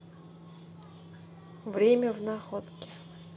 время в находке